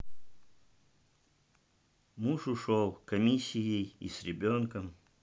муж ушел камисией и с ребенком